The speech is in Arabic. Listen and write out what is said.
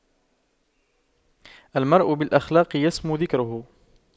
المرء بالأخلاق يسمو ذكره